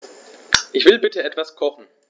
Ich will bitte etwas kochen.